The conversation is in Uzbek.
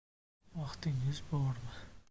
vaqtingiz bormi